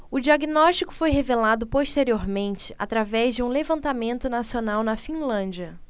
o diagnóstico foi revelado posteriormente através de um levantamento nacional na finlândia